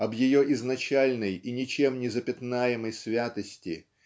об ее изначальной и ничем не запятнаемой святости